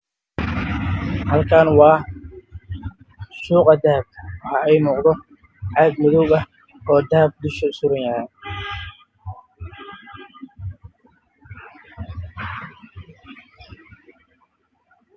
Halkan waa suuqa dahab ka waxaa ii muuqda caaga madowga ah oo dahab suran yahay